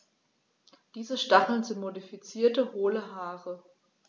Diese Stacheln sind modifizierte, hohle Haare.